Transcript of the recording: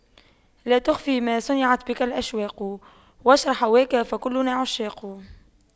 لا تخف ما صنعت بك الأشواق واشرح هواك فكلنا عشاق